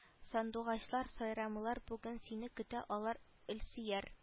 Сандугачлар сайрамыйлар бүген сине көтә алар илсөяр